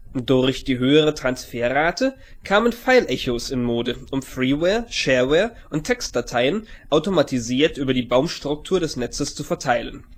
Durch die höhere Transferrate kamen Fileechos in Mode, um Freeware, Shareware und Textdateien automatisiert über die Baumstruktur des Netzes zu verteilen